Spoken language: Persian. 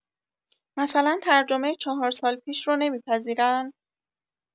مثلا ترجمه چهارسال پیش رو نمی‌پذیرن؟